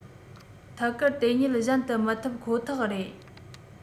ཐད ཀར དེ ཉིད གཞན དུ མི ཐུབ ཁོ ཐག རེད